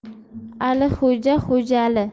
alixo'ja xo'jaali